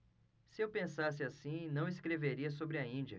se eu pensasse assim não escreveria sobre a índia